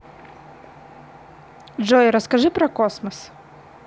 джой расскажи про космос